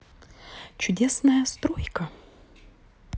чудесная стройка